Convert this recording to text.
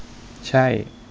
ใช่